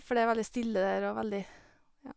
For det er veldig stille der og veldig, ja...